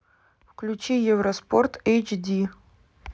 включи евроспорт эйч ди